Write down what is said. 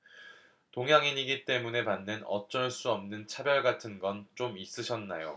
동양인이기 때문에 받는 어쩔 수 없는 차별 같은 건 좀 있으셨나요